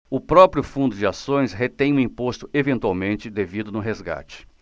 o próprio fundo de ações retém o imposto eventualmente devido no resgate